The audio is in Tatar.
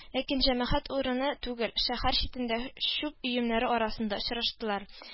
Ләкин җәмәгать урыныны түгел, шәһәр читендә, чүп өемнәре арасында очраштылар